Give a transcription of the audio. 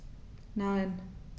Nein.